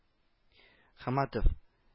Хаматов